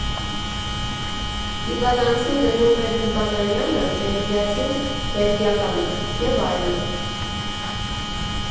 Լիբանանցին դնում էր լիբանանյանը, բելգիացին՝ բելգիականը, և այլն»։